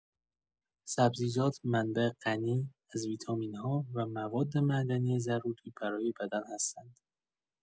سبزیجات منبع غنی از ویتامین‌ها و مواد معدنی ضروری برای بدن هستند.